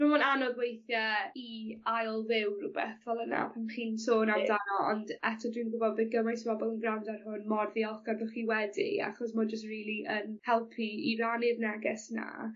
dw'm ma'n anodd weithie i ail fyw rwbeth fel yna pan chi'n sôn amdano ond eto dwi'n gwbod by' gymaint o bobol yn grando ar hwn mor ddiolchgar bo' chi wedi achos ma' o jys rili yn helpu i rannu'r neges 'na